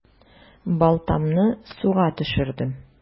Балтамны суга төшердем.